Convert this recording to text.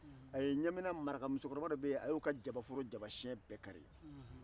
a ye ɲamina marakamusokɔrɔba dɔ bɛ ye o ka jabaworo jaba siyɛn bɛɛ kari